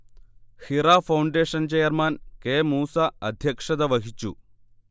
Hira foundation chairman K. Moosa അധ്യക്ഷത വഹിച്ചു